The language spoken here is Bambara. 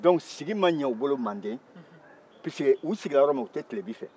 dɔnku sigi man ɲɛu bolo mande pisike u sigira yɔrɔ min o tɛ tile bin fɛ